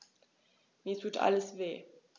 Mir tut alles weh.